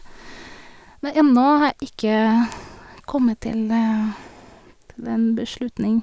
Men ennå har har jeg ikke kommet til til en beslutning.